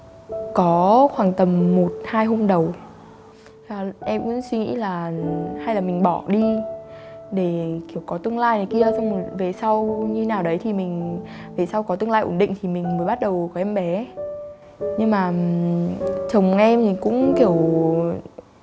có khoảng tầm một hai hôm đầu là em cũng suy nghĩ là hay là mình bỏ đi để kiểu có tương lai này kia xong rồi về sau như nào đấy thì mình về sau có tương lai ổn định thì mình mới bắt đầu có em em bé nhưng mà chồng em thì cũng kiểu